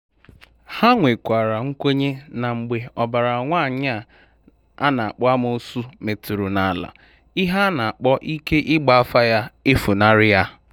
Ha nwekwara nkwenye na mgbe ọbara nwaanyị a na-akpọ amoosu metụrụ n'ala, ihe a na-akpọ ike ịgba afa ya, efunarị ya.